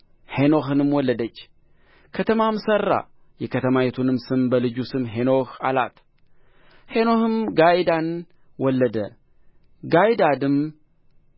ሄኖሕንም ወለደች ከተማም ሠራ የከተማይቱንም ስም በልጁ ስም ሄኖሕ አላት ሄኖሕም ጋይዳድን ወለደ ጋይዳድም